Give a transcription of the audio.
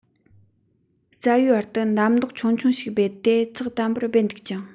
རྩ བའི བར དུ འདམ རྡོག ཆུང ཆུང ཞིག རྦད དེ ཚགས དམ པོར སྦེད འདུག ཅིང